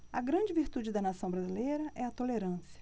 a grande virtude da nação brasileira é a tolerância